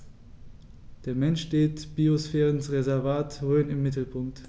Der Mensch steht im Biosphärenreservat Rhön im Mittelpunkt.